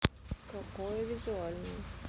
какое визуальную